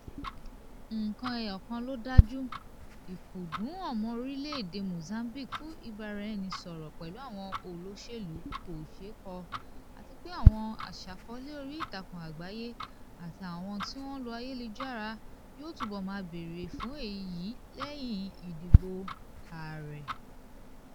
Nǹkan eyọ̀kan ló dájú, ìkúdùn ọmọ orílẹ̀ èdè Mozambique fún ìbáraẹnisọ̀rọ̀ pẹ̀lú àwọn olóṣèlú kò ṣeé kọ̀, àti pé àwọn aṣàkọ́ọ́lẹ̀ orí ìtàkùn àgbáyé àti àwọn tí wọ́n ń lo ayélujára yóò túbọ̀ maa bèèrè fún èyí lẹ́yìn ìdìbò ààrẹ.